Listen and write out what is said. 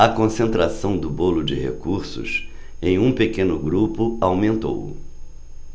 a concentração do bolo de recursos em um pequeno grupo aumentou